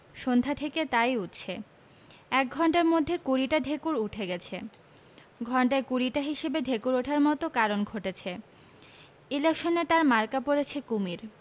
সন্ধ্যা থেকে তাই উঠছে এক ঘণ্টার মধ্যে কুড়িটা ঢেকুর ওঠে গেছে ঘণ্টায় কুড়িটা হিসেবে ঢেকুর ওঠার মত কারণ ঘটেছে ইলেকশনে তাঁর মার্কা পড়েছে কুমীর